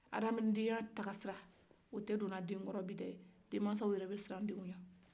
adamadeyataasira o tɛ donna denw kɔrɔ bin dɛ denmasaw yɛrɛ bɛ sira denw ɲɛ